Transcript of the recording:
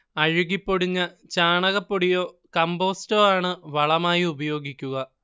അഴുകിപ്പൊടിഞ്ഞ ചാണകപ്പൊടിയോ കമ്പോസ്റ്റോ ആണ് വളമായി ഉപയോഗിക്കുക